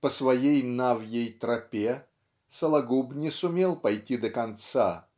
по своей навьей тропе Сологуб не сумел пойти до конца